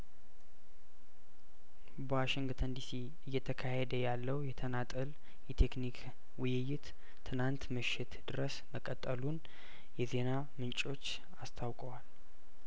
በዋሽንግተን ዲሲ እየተካሄደ ያለው የተናጠል የቴክኒክ ውይይት ትናንት ምሽት ድረስ መቀጠሉን የዜና ምንጮች አስታውቀዋል